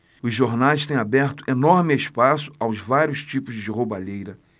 os jornais têm aberto enorme espaço aos vários tipos de roubalheira